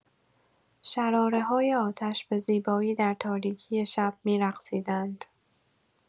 شراره‌های آتش به زیبایی در تاریکی شب می‌رقصیدند.